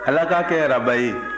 ala k'a kɛ araba ye